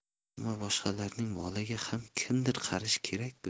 ammo boshqalarning moliga ham kimdir qarashi kerak ku